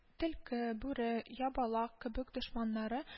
Төлке, бүре, ябалак кебек дошманнары